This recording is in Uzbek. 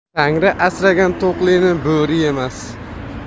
tangri asragan to'qlini bo'ri yemas